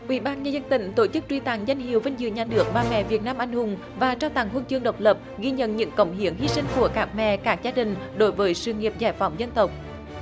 ủy ban nhân dân tỉnh tổ chức truy tặng danh hiệu vinh dự nhận được bà mẹ việt nam anh hùng và trao tặng huân chương độc lập ghi nhận những cống hiến hy sinh của các mẹ các gia đình đối với sự nghiệp giải phóng dân tộc